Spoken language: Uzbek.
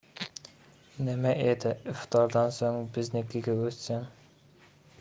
nima edi iftordan so'ng biznikiga o'tsin